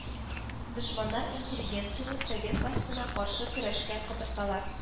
Дошманнар интеллигенцияне совет властена каршы көрәшкә котырталар